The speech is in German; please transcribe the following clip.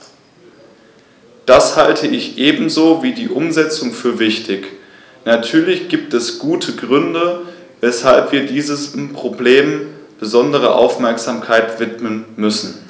Das halte ich ebenso wie die Umsetzung für wichtig. Natürlich gibt es gute Gründe, weshalb wir diesem Problem besondere Aufmerksamkeit widmen müssen.